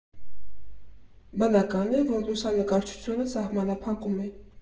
Բնական է, որ լուսանկարչությունը սահմանափակում է։